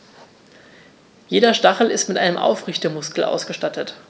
Jeder Stachel ist mit einem Aufrichtemuskel ausgestattet.